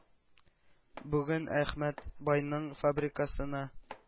Бүген Әхмәт байның фабрикасына